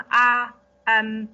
a yym